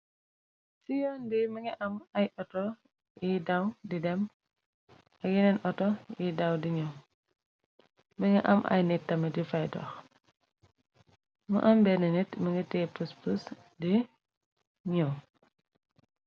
ci yoon bi mi nga am ay oto yiy daw di dem ak yeneen oto yiy daw di ñëw mi nga am ay nit tami di fay dox mu am benn nit mi nga téép sps di ñiw